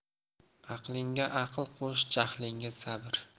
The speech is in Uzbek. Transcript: aqllingga aql qo'sh jahlingga sabr